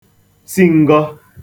si n̄gọ